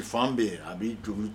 Fan bɛɛ a bɛ jɔn